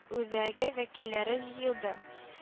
Үзәге вәкилләре җыелды